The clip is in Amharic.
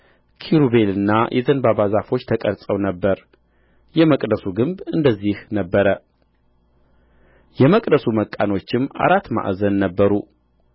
ኪሩቤልና የዘንባባ ዛፎች ተቀርጸው ነበር የመቅደሱ ግንብ እንደዚህ ነበረ የመቅደሱ መቃኖችም አራት ማዕዘን ነበሩ